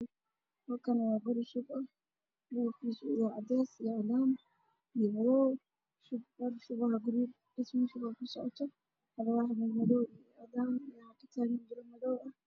Meeshaan waa meel dabaqa ku socda dhismo waxaana ka taagtaagan tiirar